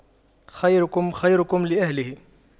خيركم خيركم لأهله